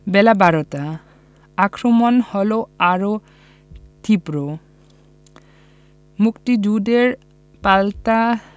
বেলা বারোটা আক্রমণ হলো আরও তীব্র মুক্তিযোদ্ধাদের পাল্টা